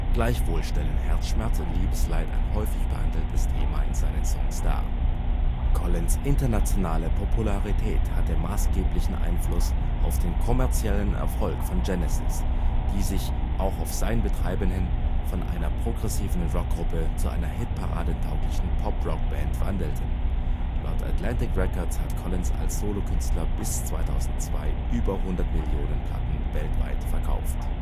Gleichwohl stellen Herzschmerz und Liebesleid ein häufig behandeltes Thema in seinen Songs dar. Collins ' internationale Popularität hatte maßgeblichen Einfluss auf den kommerziellen Erfolg von Genesis, die sich – auch auf sein Betreiben hin – von einer progressiven Rock-Gruppe zu einer Hitparaden-tauglichen Poprock-Band wandelten. Laut Atlantic Records hat Collins als Solokünstler bis 2002 über 100 Mio. Platten weltweit verkauft